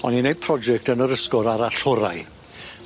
O'n i'n neud project yn yr ysgol ar allorau.